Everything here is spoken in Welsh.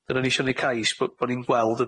Ydan ni isio ni cais bo' bo' ni'n gweld y